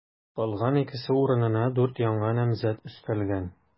Калган икесе урынына дүрт яңа намзәт өстәлгән.